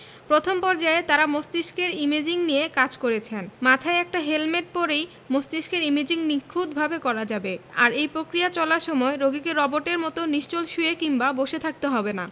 প্রথম পর্যায়ে তারা মস্তিষ্কের ইমেজিং নিয়ে কাজ করেছেন মাথায় একটা হেলমেট পরেই মস্তিষ্কের ইমেজিং নিখুঁতভাবে করা যাবে আর এই প্রক্রিয়া চলার সময় রোগীকে রোবটের মতো নিশ্চল শুয়ে কিংবা বসে থাকতে হবে না